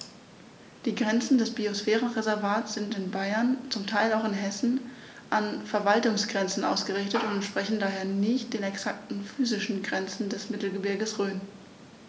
Die Grenzen des Biosphärenreservates sind in Bayern, zum Teil auch in Hessen, an Verwaltungsgrenzen ausgerichtet und entsprechen daher nicht exakten physischen Grenzen des Mittelgebirges Rhön.